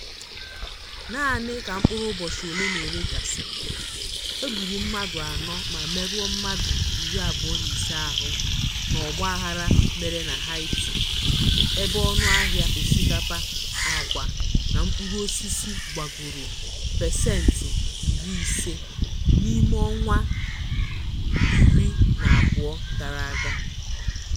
Naanị ka mkpụrụ ụbọchị ole na ole gasịrị, e gburu mmadụ anọ ma merụọ mmadụ 25 ahụ n'ọgbaaghara mere na Haiti, ebe ọnụahịa osikapa, àgwà, na mkpụrụosisi gbagoro 50% n'ime ọnwa 12 gara aga.